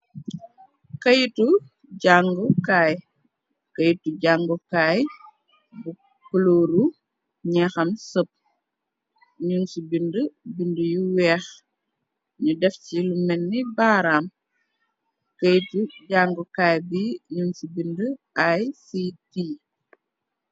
Kaytu jangukaay bu klooru gñeexam sëp. Nun ci bindi bindi yu weex ñu def ci lu menni baaraam. Kaytu jàngukaay bi ñum ci bind ICT.